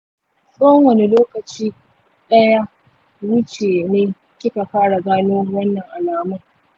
tsawon wani lokaci daya wuce ne kika fara gano wannan alamun?